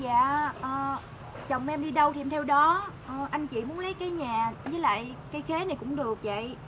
dạ ờ chồng em đi đâu thì em theo đó anh chị muốn lấy cái nhà với lại cây khế này cũng được vậy